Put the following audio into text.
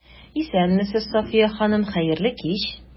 Исәнмесез, Сафия ханым, хәерле кич!